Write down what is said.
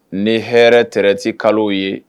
Ni hɛrɛ tɛrɛti kalo ye